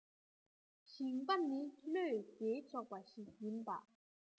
ཞིང པ ནི བློས འགེལ ཆོག པ ཞིག ཡིན པ